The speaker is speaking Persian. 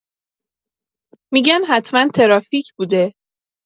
می‌گن حتما ترافیک بوده.